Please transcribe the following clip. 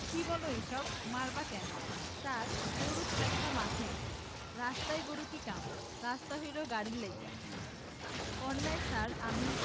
কী বলো এইসব মারবা কেন ছার গরু থাকবো মাঠে রাস্তায় গরুর কি কাম রাস্তা হইলো গাড়ির লাইগা অন্যায় ছার আমি